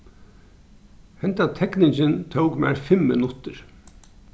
henda tekningin tók mær fimm minuttir